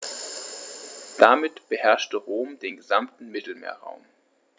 Damit beherrschte Rom den gesamten Mittelmeerraum.